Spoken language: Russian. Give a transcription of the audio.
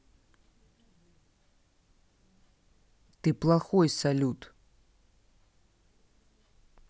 ты плохой салют